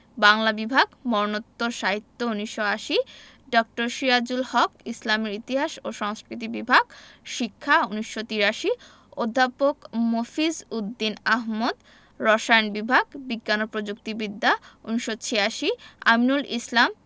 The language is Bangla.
বাংলা বিভাগ মরণোত্তর সাহিত্য ১৯৮০ ড. সিরাজুল হক ইসলামের ইতিহাস ও সংস্কৃতি বিভাগ শিক্ষা ১৯৮৩ অধ্যাপক মফিজ উদ দীন আহমেদ রসায়ন বিভাগ বিজ্ঞান ও প্রযুক্তি বিদ্যা ১৯৮৬ আমিনুল ইসলাম